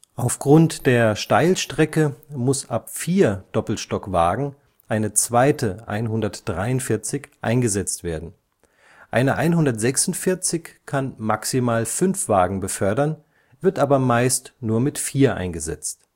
Aufgrund der Steilstrecke muss ab vier Doppelstockwagen eine zweite 143 eingesetzt werden. Eine 146 kann maximal fünf Wagen befördern, wird aber meist nur mit vier eingesetzt